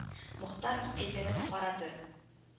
Мохтаров әйләнеп карады